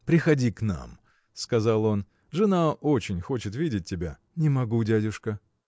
– Приходи к нам, – сказал он, – жена очень хочет видеть тебя. – Не могу, дядюшка.